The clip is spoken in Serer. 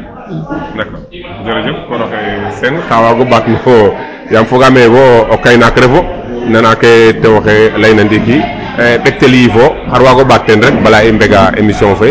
D' accord jerejef koor oxe Séne xa waag o ɓaat no xur ole yaam foogaam ee wo' o kay naak refo nana ke tew oxe layna ndiiki ɓektel yiif o xar waago ɓaat teen rek bala i mbegaa émission fe